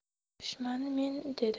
dushmani men dedi